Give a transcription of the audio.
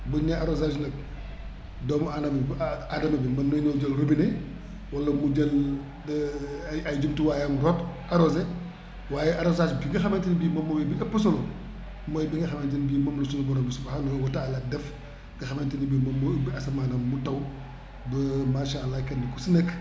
bu ñu nee arrosage nag doomu aadama aadama bi mun nañoo jël robinet wala mu jël ay ay jumtuwaayam root arrosé waaye arrosage bi nga xamante ne bii moom mooy li ëpp solo mooy bi nga xamante ne bii moom la suñu borom subxanaxu wa taalaa def nga xamante ne bii mooy ubbi asamaanam mu taw ba maasàllaa kenn ku si nekk